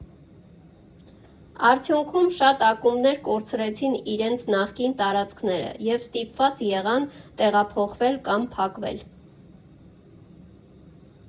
Արդյունքում շատ ակումբներ կորցրեցին իրենց նախկին տարածքները և ստիպված եղան տեղափոխվել կամ փակվել։